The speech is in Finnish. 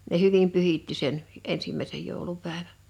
ne hyvin pyhitti sen ensimmäisen joulupäivän